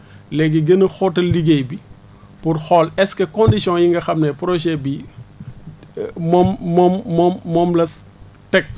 léegi gën a xóotal liggéey bi pour xool est ce que conditions yi nga xam ne projet bi moom moom moom moom la teg